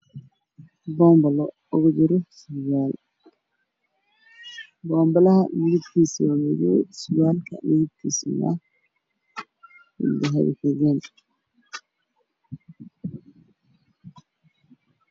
Waxa la is waa boonbale ay ku jiraan surwaal surweelka kelirkiisu waa madow iyo bombalaha kaladkiisuna waa caddaan